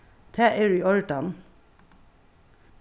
tað er í ordan